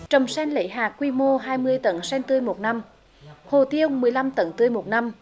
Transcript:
trồng sen lấy hạt quy mô hai mươi tấn sen tươi một năm hồ tiêu mười lăm tấn tươi một năm